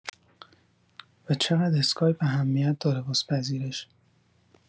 و چقد اسکایپ اهمیت داره واس پذیرش؟